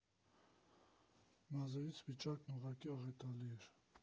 Մազերիս վիճակն ուղղակի աղետալի էր։